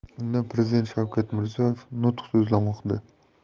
unda prezident shavkat mirziyoyev nutq so'zlamoqda